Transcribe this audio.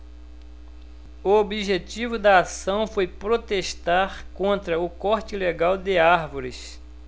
o objetivo da ação foi protestar contra o corte ilegal de árvores